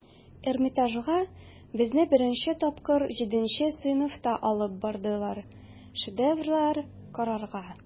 Эрмитажга безне беренче тапкыр җиденче сыйныфта алып бардылар, шедеврлар карарга.